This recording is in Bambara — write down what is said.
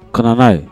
Ka na n'a ye